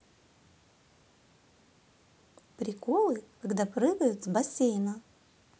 приколы когда прыгают с бассейна